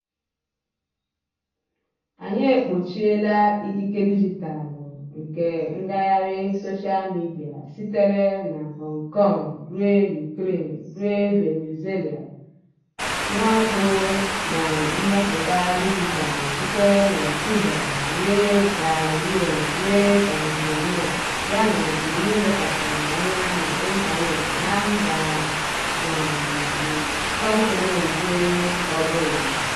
Anyị ekpuchiela ikike dijitaalụ nke ngagharị soshal midịa sitere na Hong Kong ruo Ukraine ruo Venezuela, mwakpo na mmepụta dijitaalụ sitere na Cuba ruo Bahrain ruo Tanzania, yana iwu lekwasịrị anya n'ịntaneetị na mba 100 na kọntinent ọbụla.